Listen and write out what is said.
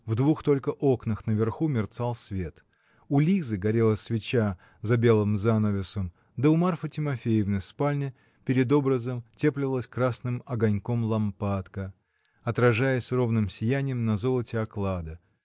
в двух только окнах наверху мерцал свет: у Лизы горела свеча за белым занавесом, да у Марфы Тимофеевны в спальне перед образом теплилась красным огоньком лампадка, отражаясь ровным сиянием на золоте оклада